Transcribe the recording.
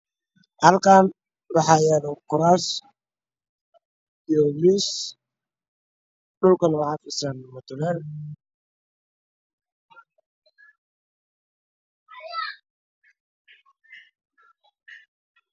Halkaan waxa yaalo kuraas iyo miis dhulkuna waxa fidsan mukuleel.